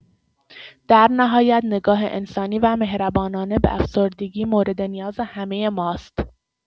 در نهایت، نگاه انسانی و مهربانانه به افسردگی مورد نیاز همه ماست.